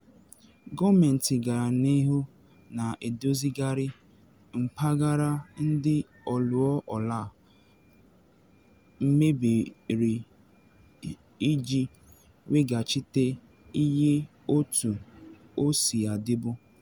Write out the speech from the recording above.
Gọọmentị gara n’ihu na edozigharị mpaghara ndị ọlụọ ọlaa mebiri iji weghachite ihe otu o si adịbu.